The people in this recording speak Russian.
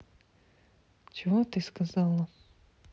чего ты сказала